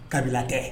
Kabila tɛ.